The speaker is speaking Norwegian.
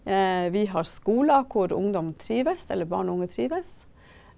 vi har skoler hvor ungdom trives eller barn og unge trives.